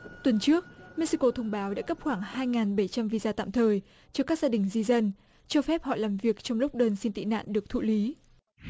tuần trước mếc xi cô thông báo đã cấp khoảng hai nghìn bảy trăm vi ra tạm thời cho các gia đình di dân cho phép họ làm việc trong lúc đơn xin tị nạn được thụ lý